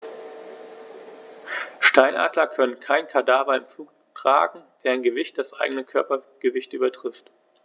Steinadler können keine Kadaver im Flug tragen, deren Gewicht das eigene Körpergewicht übertrifft.